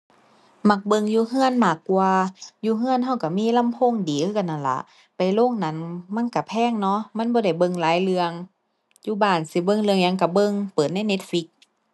มักเบิ่งอยู่เรือนมากกว่า อยู่เรือนเรือนเรือนมีลำโพงดีคือกันนั่นล่ะ ไปโรงหนังมันเรือนแพงเนาะ มันบ่ได้เบิ่งหลายเรื่อง อยู่บ้านสิเบิ่งเรื่องหยังเรือนเบิ่งเปิดใน Netflix